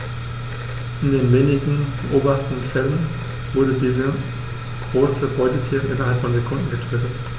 In den wenigen beobachteten Fällen wurden diese großen Beutetiere innerhalb von Sekunden getötet.